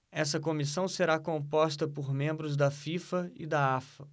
essa comissão será composta por membros da fifa e da afa